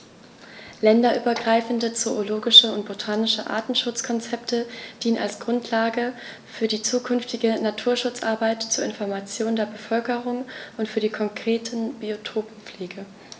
Länderübergreifende zoologische und botanische Artenschutzkonzepte dienen als Grundlage für die zukünftige Naturschutzarbeit, zur Information der Bevölkerung und für die konkrete Biotoppflege.